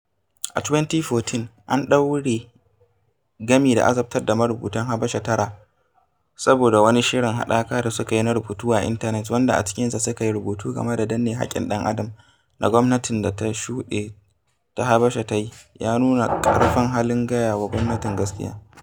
A 2014, an ɗaure gami da azabtar da marubutan Habasha tara saboda wani shirin haɗaka da suka yi na rubutu a intanet wanda a cikinsa suka yi rubutu game da danne haƙƙin ɗan'adam da gwamnatin da ta shuɗe ta Habasha ta yi, ya nuna ƙarfin halin gaya wa gwamnati gaskiya.